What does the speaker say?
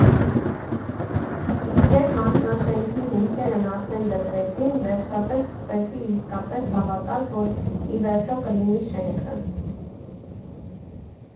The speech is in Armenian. Իսկ երբ մասնաշենքի հիմքերն արդեն դրվեցին, վերջապես սկսեցի իսկապես հավատալ, որ ի վերջո կլինի շենքը։